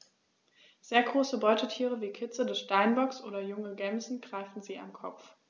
Sehr große Beutetiere wie Kitze des Steinbocks oder junge Gämsen greifen sie am Kopf.